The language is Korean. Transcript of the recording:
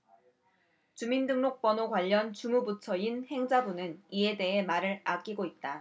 주민등록번호 관련 주무 부처인 행자부는 이에 대해 말을 아끼고 있다